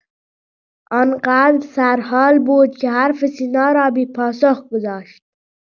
ان قدر سرحال بود که حرف سینا را بی‌پاسخ گذاشت.